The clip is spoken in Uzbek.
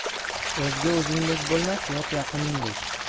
o'zga o'zingdek bo'lmas yot yaqiningdek